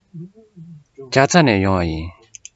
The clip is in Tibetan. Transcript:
རྒྱ ཚ ནས ཡོང བ ཡིན